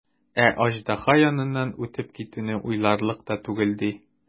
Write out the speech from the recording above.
Ә аждаһа яныннан үтеп китүне уйларлык та түгел, ди.